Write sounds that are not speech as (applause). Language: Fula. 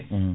(hesitation) (hesitation)